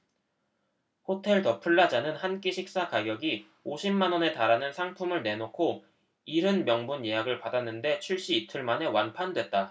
호텔 더 플라자는 한 끼 식사 가격이 오십 만원에 달하는 상품을 내놓고 일흔 명분 예약을 받았는데 출시 이틀 만에 완판됐다